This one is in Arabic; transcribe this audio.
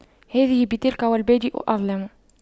هذه بتلك والبادئ أظلم